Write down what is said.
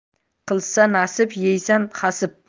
qilsa nasib yeysan hasip